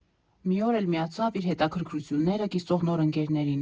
Մի օր էլ միացավ իր հետաքրքրությունները կիսող նոր ընկերներին։